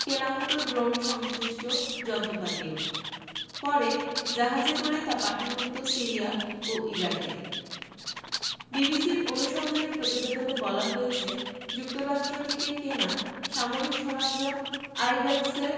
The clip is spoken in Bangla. কেনা হতো ড্রোন সংশ্লিষ্ট যন্ত্রপাতিও পরে জাহাজে করে তা পাঠানো হতো সিরিয়া ও ইরাকে বিবিসির অনুসন্ধানী প্রতিবেদনে বলা হয়েছে যুক্তরাষ্ট্র থেকে কেনা সামরিক সরঞ্জাম আইব্যাকসের